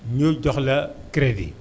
ñu jox la crédit